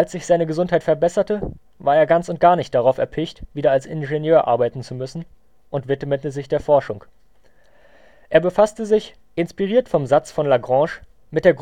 sich seine Gesundheit verbesserte, war er ganz und gar nicht darauf erpicht, wieder als Ingenieur arbeiten zu müssen, und widmete sich der Forschung. Er befasste sich, inspiriert vom Satz von Lagrange, mit der Gruppentheorie